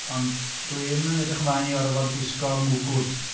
Ond dwi ddim yn edrych ymlaen i orfod gwisgo mwgwd.